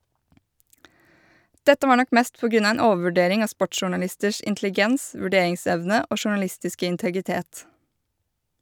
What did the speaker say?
Dette var nok mest på grunn av en overvurdering av sportsjournalisters intelligens, vurderingsevne og journalistiske integritet.